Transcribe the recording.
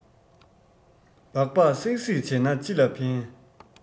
སྦག སྦག གསིག གསིག བྱས པས ཅི ལ ཕན